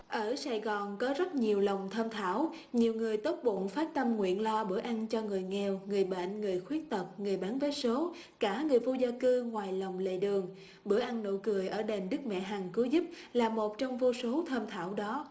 ở sài gòn có rất nhiều lòng thơm thảo nhiều người tốt bụng phát tâm nguyện lo bữa ăn cho người nghèo người bệnh người khuyết tật người bán vé số cả người vô gia cư ngoài lòng lề đường bữa ăn nụ cười ở đền đức mẹ hằng cứu giúp là một trong vô số thơm thảo đó